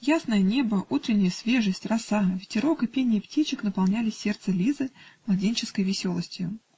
ясное небо, утренняя свежесть, роса, ветерок и пение птичек наполняли сердце Лизы младенческой веселостию